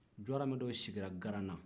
jɔwɔrɔmɛ dɔw sira garana